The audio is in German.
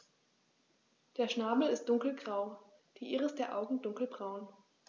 Der Schnabel ist dunkelgrau, die Iris der Augen dunkelbraun.